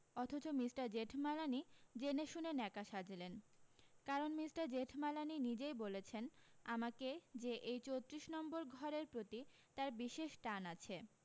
অথচ মিষ্টার জেঠমালানি জেনেশুনে ন্যাকা সাজলেন কারণ মিষ্টার জেঠমালানি নিজই বলেছেন আমাকে যে এই চোত্রিশ নম্বর ঘরের প্রতি তার বিশেষ টান আছে